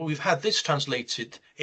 ###we've had this translated